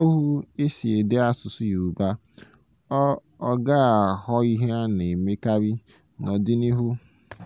Usoro ọhụrụ e si ede asụsụ Yorùbá ọ̀ ga-aghọ ihe a na-emekarị n'ọdịnihu?